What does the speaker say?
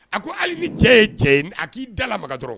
A ko hali ni cɛ ye cɛ ye a k'i da la makanka dɔrɔn